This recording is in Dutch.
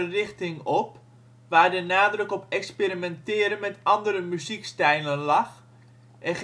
richting op, waar de nadruk op experimenteren met andere muziekstijlen lag, en